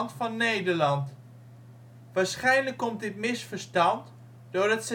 van Nederland. Waarschijnlijk komt dit misverstand doordat